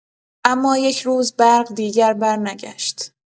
اما یک روز برق دیگر برنگشت.